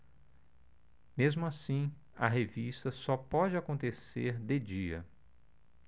mesmo assim a revista só pode acontecer de dia